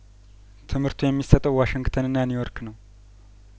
ትምህርቱ የሚሰጠውም ዋሽንግተንና ኒውዮርክ ነው